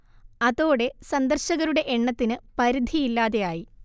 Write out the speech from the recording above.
അതോടെ സന്ദർശകരുടെ എണ്ണത്തിന് പരിധിയില്ലാതെ ആയി